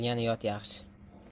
bilgan yot yaxshi